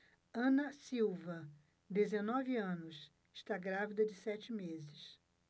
ana silva dezenove anos está grávida de sete meses